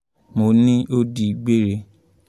Mo ní ó digbére.